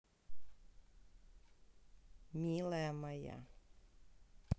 милая моя